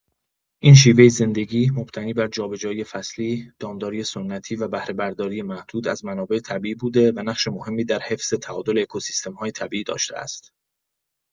این شیوه زندگی، مبتنی بر جابه‌جایی فصلی، دامداری سنتی و بهره‌برداری محدود از منابع طبیعی بوده و نقش مهمی در حفظ تعادل اکوسیستم‌های طبیعی داشته است.